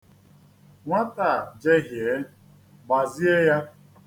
Nwata a jehie, gbazie ya.